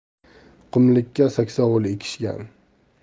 qumlikka saksovul ekishgan